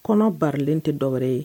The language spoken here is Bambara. Kɔnɔ barolen tɛ dɔwɛrɛ ye